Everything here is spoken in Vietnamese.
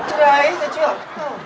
thì đấy thấy chưa